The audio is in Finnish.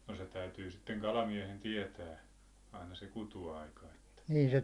no se täytyy sitten kalamiehen tietää aina se kutuaika että